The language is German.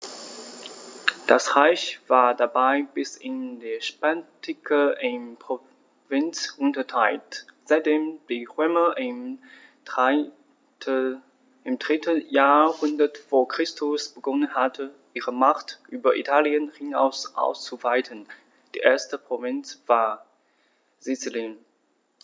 Das Reich war dabei bis in die Spätantike in Provinzen unterteilt, seitdem die Römer im 3. Jahrhundert vor Christus begonnen hatten, ihre Macht über Italien hinaus auszuweiten (die erste Provinz war Sizilien).